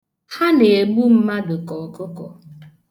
Ha na-egbu mmadụ ka ọkụkọ.